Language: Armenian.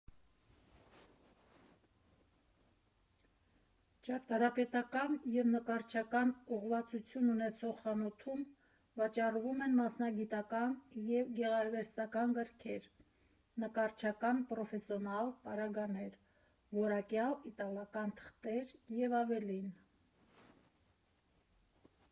Ճարտարապետական և նկարչական ուղղվածություն ունեցող խանութում վաճառվում են մասնագիտական և գեղարվեստական գրքեր, նկարչական պրոֆեսիոնալ պարագաներ, որակյալ իտալական թղթեր և ավելին։